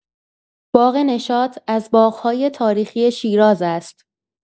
باغ نشاط از باغ‌های تاریخی شیراز است.